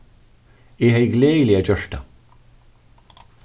eg hevði gleðiliga gjørt tað